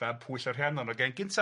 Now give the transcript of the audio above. ...fab Pwyll a Rhiannon o'r geng gynta.